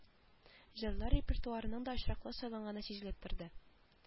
Җырлар репертуарының да очраклы сайланганы сизелеп торды